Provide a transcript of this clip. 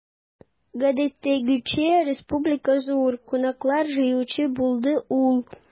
Гадәттәгечә, республикага зур кунаклар җыючы булды ул.